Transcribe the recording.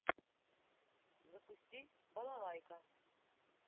запусти балалайка